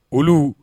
Olu